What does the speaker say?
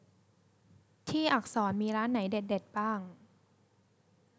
ที่อักษรมีร้านไหนเด็ดเด็ดบ้าง